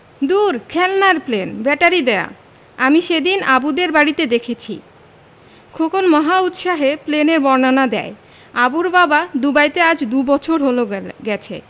দূর খেলনার plane battery দেয়া আমি সেদিন আবুদের বাড়িতে দেখেছি খোকন মহা উৎসাহে প্লেনের বর্ণনা দেয় আবুর বাবা দুবাইতে আজ দুবছর হলো গেছে